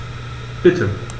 Bitte.